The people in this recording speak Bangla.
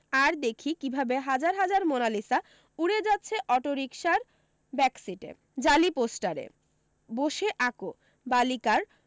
আর দেখি কিভাবে হাজার হাজার মোনালিসা উড়ে যাচ্ছে অটোরিকশার ব্যাকসীটে জালি পোস্টারে বসে আঁকো বালিকার